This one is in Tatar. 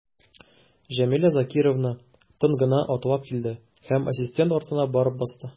Җәмилә Закировна тын гына атлап килде һәм ассистент артына барып басты.